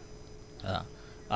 loolu da ciy baax waa